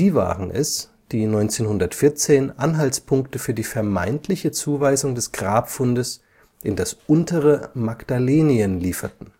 waren es, die 1914 Anhaltspunkte für die vermeintliche Zuweisung des Grabfundes in das untere Magdalénien lieferten